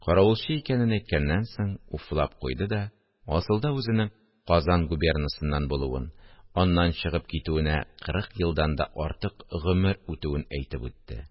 Каравылчы икәнен әйткәннән соң уфлап куйды да, асылда, үзенең Казан губернасыннан булуын, аннан чыгып китүенә кырык елдан да артык гомер үтүен әйтеп үтте